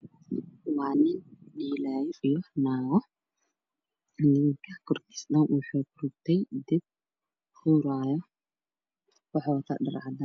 Waa nin inaaga is a fadhiyo ninka korkiisa dhan wuu gubtay waxaa huraya dab